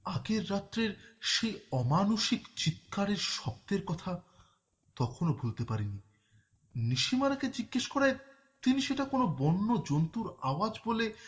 আগের রাত্রে সেই অমানুষিক চিৎকারের কখনো ভুলতে পারিনি নিশিমারাকে জিজ্ঞেস করায় তিনি সেটা কোন বন্য জন্তুর আওয়াজ বলে